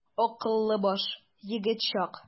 Акыллы баш, егет чак.